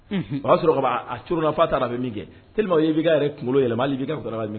O b'a sɔrɔ a c taara bɛ min kɛ t ii yɛrɛ kunkolo yɛlɛ ma' b ii ka lam